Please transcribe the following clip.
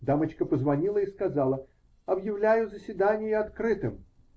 Дамочка позвонила и сказала: -- Объявляю заседание открытым.